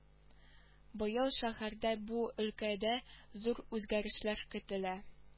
Быел шәһәрдә бу өлкәдә зур үзгәрешләр көтелә